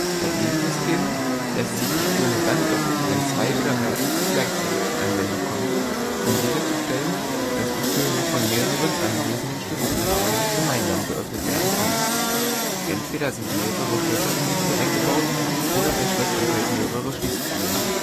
Bei diesen Systemen lässt sich die Tür nur dann öffnen, wenn zwei oder mehr Schlüssel gleichzeitig zur Anwendung kommen, um sicherzustellen, dass die Tür nur von mehreren anwesenden Schlüsselinhabern gemeinsam geöffnet werden kann. Entweder sind mehrere Schlösser in die Tür eingebaut oder ein Schloss enthält mehrere Schließzylinder